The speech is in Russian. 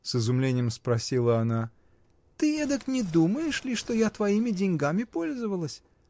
— с изумлением спросила она, — ты этак не думаешь ли, что я твоими деньгами пользовалась?